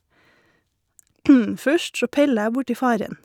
Først så peller jeg borti faren.